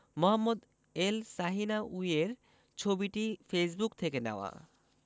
মোহাম্মদ এলসাহিনাউয়ির ছবিটি ফেসবুক থেকে নেওয়া